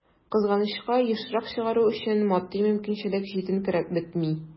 Кызганычка, ешрак чыгару өчен матди мөмкинчелек җитенкерәп бетми.